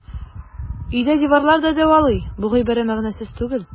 Өйдә диварлар да дәвалый - бу гыйбарә мәгънәсез түгел.